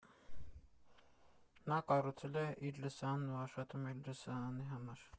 Նա կառուցել է իր լսարանն ու աշխատում է իր լսարանի համար։